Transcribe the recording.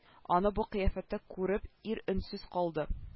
Аны бу кыяфәттә күреп ир өнсез калды